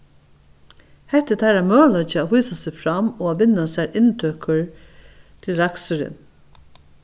hetta er teirra møguleiki at vísa seg fram og at vinna sær inntøkur til raksturin